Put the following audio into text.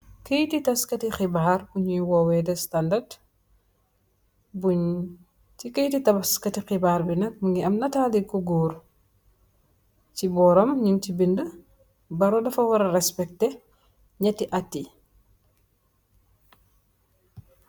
Kayiti tas kati xibaar bu nyo wowe da standard, bunj si kayiti tas kati xibaar bi nak, mingi am nitali ku goor, si booram nyung si binde Barrow dafa wara respecte nyati aat yi